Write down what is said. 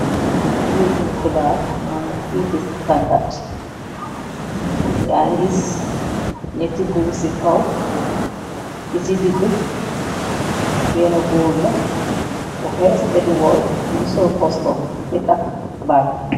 Keytum xibaar manam keyti standart yaa ngis ñyetti góur ci kaw gi ci digg benn góor la ko xees edword mu ngi sol koston te takk baak bi.